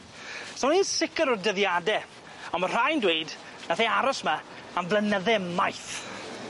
So ni'n sicir o'r dyddiade on' ma' rhai'n dweud nath e aros 'ma am flynydde maith.